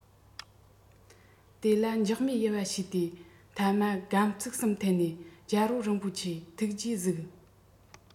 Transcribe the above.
དེ ལ འཇག མས ཡུ བ བྱས ཏེ ཐ མ སྒམ ཙིག གསུམ འཐེན ནས རྒྱལ པོ རིན པོ ཆེ ཐུགས རྗེས གཟིགས